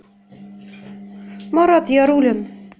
марат ярулин